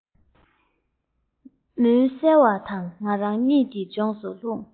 མུན གསལ བ དང ང རང གཉིད ཀྱི ལྗོངས སུ ལྷུང